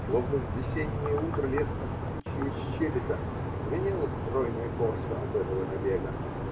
Словно в весеннее утро лес от птичьего щебета, звенело стройное Корсо от этого набега.